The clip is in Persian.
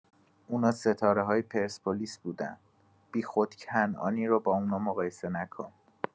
اونا ستاره‌های پرسپولیس بودن بیخود کنعانی رو با اونا مقایسه نکن!